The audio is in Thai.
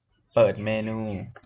เปิดเมนู